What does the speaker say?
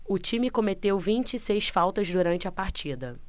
o time cometeu vinte e seis faltas durante a partida